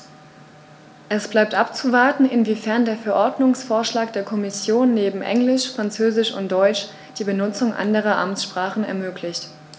Es bleibt abzuwarten, inwiefern der Verordnungsvorschlag der Kommission neben Englisch, Französisch und Deutsch die Benutzung anderer Amtssprachen ermöglicht.